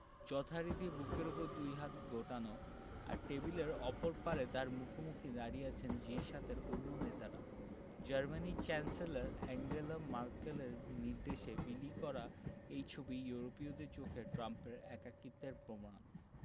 যথারীতি বুকের ওপর দুই হাত গোটানো আর টেবিলের অপর পারে তাঁর মুখোমুখি দাঁড়িয়ে আছেন জি ৭ এর অন্য নেতারা জার্মানির চ্যান্সেলর আঙ্গেলা ম্যার্কেলের নির্দেশে বিলি করা এই ছবি ইউরোপীয়দের চোখে ট্রাম্পের একাকিত্বের প্রমাণ